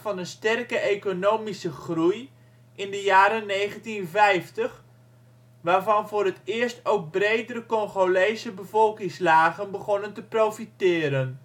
van een sterke economische groei in de jaren 1950, waarvan voor het eerst ook bredere Congolese bevolkingslagen begonnen te profiteren.